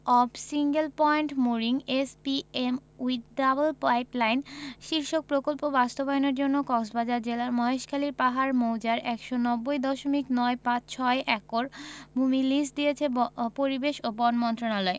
of single point mooring SPM with double pipeline শীর্ষক প্রকল্প বাস্তবায়নের জন্য কক্সবাজার জেলার মহেশখালীর পাহাড় মৌজার ১৯০ দশমিক নয় পাঁচ ছয় একর ভূমি লিজ দিয়েছে ভ পরিবেশ ও বন মন্ত্রণালয়